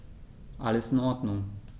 Alles in Ordnung.